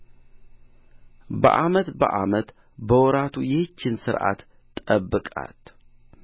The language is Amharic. በዓመት በዓመት በወራቱ ይህችን ሥርዓት ጠብቃት